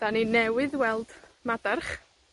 'dan ni newydd weld madarch.